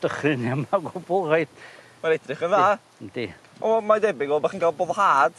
...dychryn iam o gwbwl rhaid. Mae'n edrych yn dda. Yndi. O mae ddebyg fel bo' chi'n ga'l boddhad